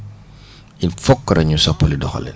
il faut que rek ñu soppali doxalin